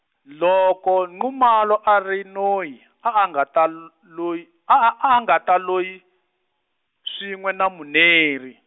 loko Nxumalo a ri noyi a a nga l- loyi-, a a, a a ngata loyi, swin'we na Muneri.